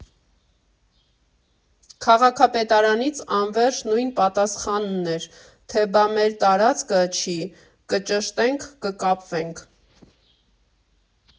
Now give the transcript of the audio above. Քաղաքապետարանից անվերջ նույն պատասխանն էր, թե բա՝ մեր տարածքը չի, կճշտենք, կկապվենք։